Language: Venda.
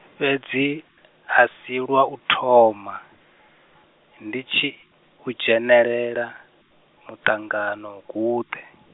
fhedzi, a si lwa u thoma, ndi tshi, udzhenelela, muṱanganoguṱe.